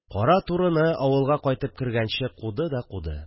Кара турыны авылга кайтып кергәнче куды да куды